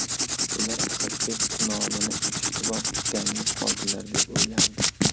bular asadbek nomini eshitiboq gangib qoldilar deb o'ylardi